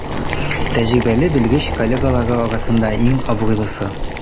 Тәҗрибәле белгеч коллегалары арасында иң абруйлысы.